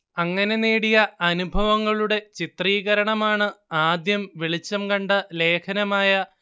അങ്ങനെ നേടിയ അനുഭവങ്ങളുടെ ചിത്രീകരണമാണ് ആദ്യം വെളിച്ചം കണ്ട ലേഖനമായ